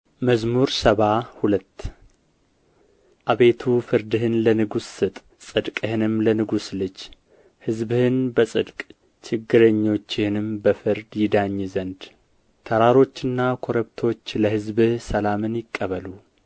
መዝሙር ሰባ ሁለት አቤቱ ፍርድህን ለንጉሥ ስጥ ጽድቅህንም ለንጉሥ ልጅ ሕዝብህን በጽድቅ ችግረኞችህንም በፍርድ ይዳኝ ዘንድ ተራሮችና ኰረብቶች ለሕዝብህ ሰላምን ይቀበሉ